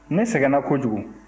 ne sɛgɛnna kojugu